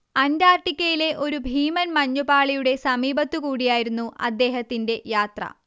അന്റാർട്ടിക്കയിലെ ഒരു ഭീമൻ മഞ്ഞുപാളിയുടെ സമീപത്തുകൂടിയായിരുന്നു അദ്ദേഹത്തിന്റെ യാത്ര